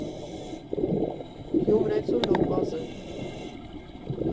Գյումրեցու լոպազ է։